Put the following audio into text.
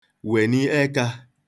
wèni ẹka